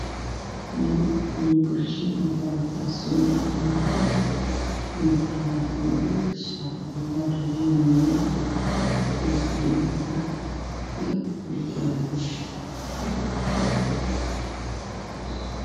Nin ku fadhiya kursi madow ah